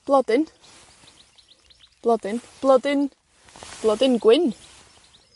Blodyn. Blodyn, blodyn, blodyn gwyn.